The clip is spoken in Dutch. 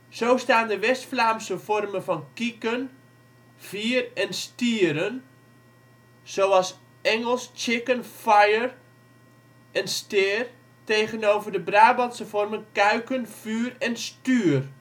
Zo staan de West-Vlaamse vormen van kieken, vier en stieren, zoals Engels chicken, fire en steer, tegenover de Brabantse vormen kuiken, vuur en stuur